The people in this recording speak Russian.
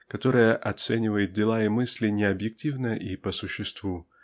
которая оценивает дела и мысли не объективно и по существу